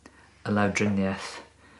y law drinieth